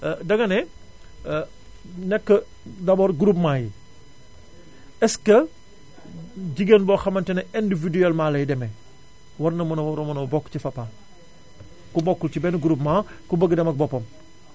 danga ne nekk d' abord groupement yi est ce que jigéen boo xamante ne individuellement lay demee war na mën war a mën a bokk ci Fapal ku bokkul ci benn groupement ku bëgg dem ak boppam